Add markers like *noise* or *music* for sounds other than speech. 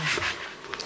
*hesitation* *hesitation* *noise*